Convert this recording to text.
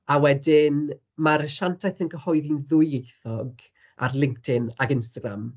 A wedyn ma'r asiantaeth yn cyhoeddi'n ddwyieithog ar LinkedIn ac Instagram.